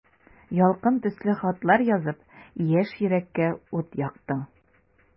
Ялкын төсле хатлар язып, яшь йөрәккә ут яктың.